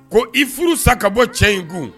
Ko i furu sa ka bɔ cɛ in kun